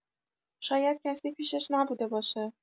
شاید کسی پیشش نبوده باشه